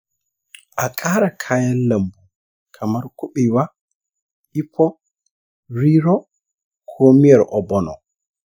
a ƙara kayan lambu kamar kubewa, efo riro, ko miyar ogbono.